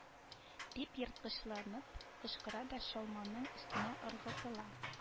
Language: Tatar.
Дип ерткычланып кычкыра да чалманың өстенә ыргытыла